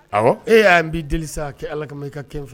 Ɔ e y'a n bi deli sa k kɛ ala kama i ka kɛ fɛ